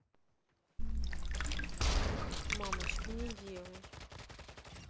мамочки не делай